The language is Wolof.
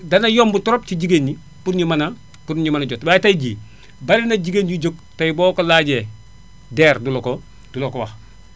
dana yomb trop ci jigéen ñi pour ñu mën a pour ñu mën a jot waaye tay jii bari na jigéen yuy jóg tay boo ko laajee DER du la ko du la ko wax